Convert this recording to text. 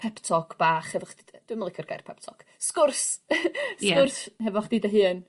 pep talk bach hefo ch-... dwi'm yn licio'r gair pep talk sgwrs ... Ie. ... sgwrs hefo chdi dy hun.